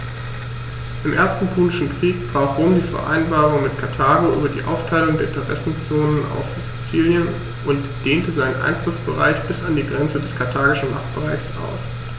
Im Ersten Punischen Krieg brach Rom die Vereinbarung mit Karthago über die Aufteilung der Interessenzonen auf Sizilien und dehnte seinen Einflussbereich bis an die Grenze des karthagischen Machtbereichs aus.